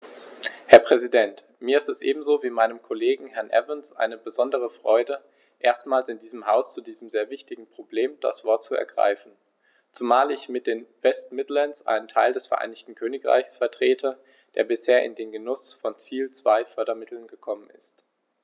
Herr Präsident, mir ist es ebenso wie meinem Kollegen Herrn Evans eine besondere Freude, erstmals in diesem Haus zu diesem sehr wichtigen Problem das Wort zu ergreifen, zumal ich mit den West Midlands einen Teil des Vereinigten Königreichs vertrete, der bisher in den Genuß von Ziel-2-Fördermitteln gekommen ist.